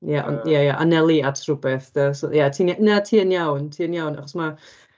Ia ond, ia ia anelu at rywbeth de. So ia ti'n... Na ti yn iawn, ti yn iawn achos ma'...